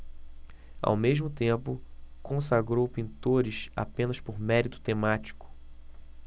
ao mesmo tempo consagrou pintores apenas por mérito temático